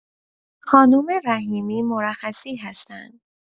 خانم رحیمی مرخصی هستن